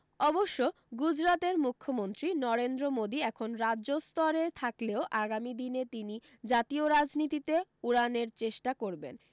অবশ্য গুজরাতের মুখ্যমন্ত্রী নরেন্দ্র মোদী এখন রাজ্য স্তরে থাকলেও আগামী দিনে তিনি জাতীয় রাজনীতিতে উড়ানের চেষ্টা করবেন